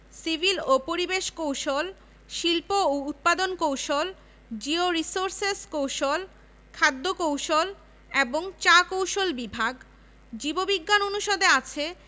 কেন্দ্রীয় গ্রন্থাগারটি local area network LAN এর সাথে যুক্ত এবং বিশ্বের সেরা গ্রন্থাগারসমূহের সাথে একে যুক্ত করার পরিকল্পনা রয়েছে